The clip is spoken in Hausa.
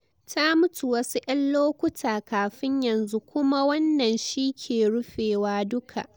Ta mutu wasu yan lokuta kafin yanzu kuma Wannan shi ke rufewa duka.